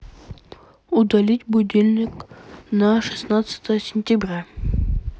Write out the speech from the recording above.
удалить будильник на шестнадцатое сентября